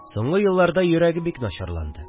Соңгы елларда йөрәге бик начарланды